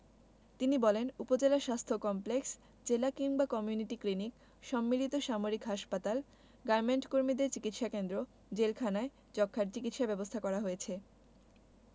তিনি বলেন উপজেলা স্বাস্থ্য কমপ্লেক্স জেলা কিংবা কমিউনিটি ক্লিনিক সম্মিলিত সামরিক হাসপাতাল গার্মেন্টকর্মীদের চিকিৎসাকেন্দ্র জেলখানায় যক্ষ্মার চিকিৎসা ব্যবস্থা করা হয়েছে